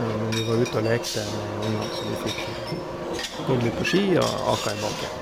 Men vi var ute og lekte med ungene så de fikk gått litt på ski og akt i bakken.